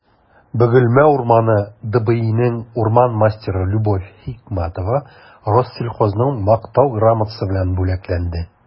«бөгелмә урманы» дбинең урман мастеры любовь хикмәтова рослесхозның мактау грамотасы белән бүләкләнде